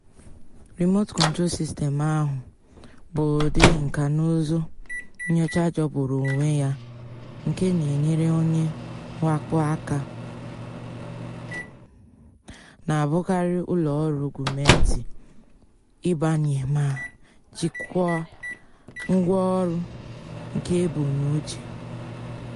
Remote Control System áhụ̀ bụ ụdị nkànaụzụ nnyocha jọgburu onwe ya nke na-enyere onye mwakpo aka, na-abụkarị ụlọọrụ gọọmentị, ịbanye ma jikwaa ngwaọrụ nke e bu n'uche.